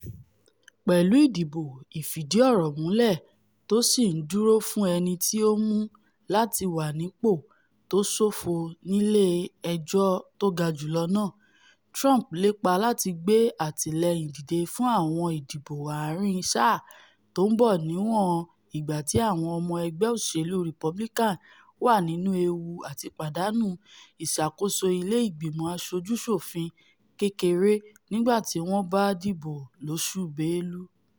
Pẹ̀lú ìdìbò ìfìdíọ̀rọ̀múlẹ̀ tó sì ńdúró fún ẹnití ó mu láti wànípò tó ṣófo nílé Ejọ́ Tógajùlọ náà, Trump ńlépa láti gbé àtìlẹ́yìn dìde fún àwọn ìdìbò ààrin-sáà tó ńbọ níwọ̀n igbati àwọn ọmọ ẹgbẹ̵́ òṣèlú Republican wà nínú ewu àtipàdánù ìsàkóso ilé Ìgbìmọ̀ Aṣojú-ṣòfin kékeré nígbà tí wọ́n bá dìbò lóṣù Bélú.